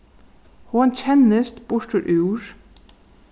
hon kennist burturúr